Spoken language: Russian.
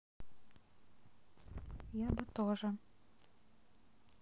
я бы тоже